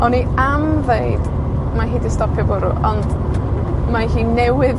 O'n i am ddeud, ma' hi 'di stopio bwrw, ond, mae hi newydd